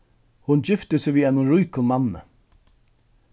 hon gifti seg við einum ríkum manni